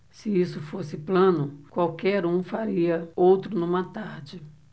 se isso fosse plano qualquer um faria outro numa tarde